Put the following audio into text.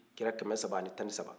kira kɛmɛ saba ani tan ni saba